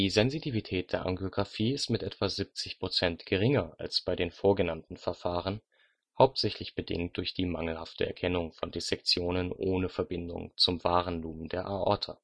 Sensitivität der Angiografie ist mit etwa 70 % geringer als bei den vorgenannten Verfahren, hauptsächlich bedingt durch die mangelhafte Erkennung von Dissektionen ohne Verbindung zum wahren Lumen der Aorta